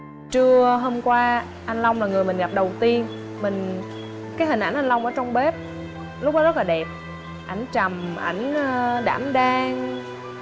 trưa hôm qua anh long là người mình gặp đầu tiên mình cái hình ảnh anh long ở trong bếp lúc đó rất là đẹp ảnh trầm ảnh đảm đang